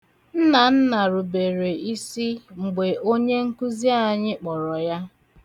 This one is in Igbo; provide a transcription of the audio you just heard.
Nnanna rubere isi mgbe onye nkụzi anyị kpọrọ ya.